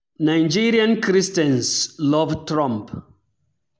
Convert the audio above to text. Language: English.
Nigerian Christians love Trump.